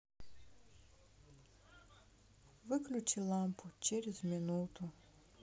выключи лампу через минуту